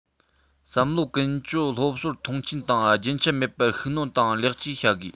བསམ བློ ཀུན སྤྱོད སློབ གསོར མཐོང ཆེན དང རྒྱུན ཆད མེད པར ཤུགས སྣོན དང ལེགས བཅོས བྱ དགོས